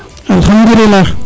alkhadoulilah